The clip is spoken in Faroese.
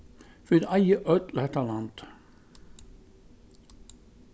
vit eiga øll hetta landið